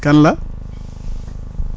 kan la